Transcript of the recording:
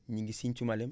ñi ngi Sinthioumalem